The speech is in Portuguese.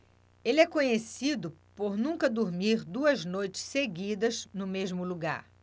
ele é conhecido por nunca dormir duas noites seguidas no mesmo lugar